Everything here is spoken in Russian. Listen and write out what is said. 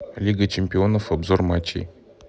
лига чемпионов обзор матчей